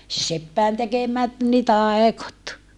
- seppien tekemät niin taikot